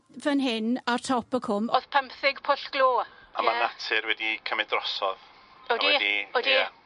fyn hyn a top y cwm odd pymtheg pwll glo. A ma' natur wedi cymryd drosodd? Odi. A wedi, ia. Odi.